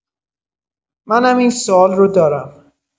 منم این سوال رو دارم